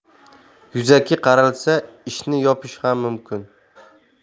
yuzaki qaralsa ishni yopish ham mumkin